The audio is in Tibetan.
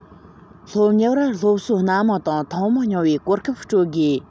སློབ གཉེར བར སློབ གསོ སྣ མང དང ཐེངས མང མྱོང བའི གོ སྐབས སྤྲོད དགོས